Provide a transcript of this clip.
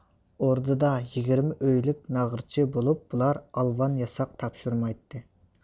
ئوردىدا يىگىرمە ئۆيلۈك ناغرىچى بولۇپ بۇلار ئالۋان ياساق تاپشۇرمايتتى